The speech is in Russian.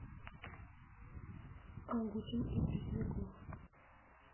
агутин и пресняков